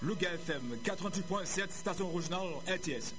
Louga FM 88.7 sation original RTS